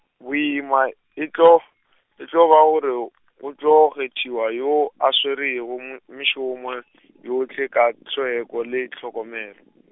boima, e tlo, e tlo ba gore o, go tlo kgethiwa yo a swerego mu- mešomo yohle ka tlhweko le tlhokomelo.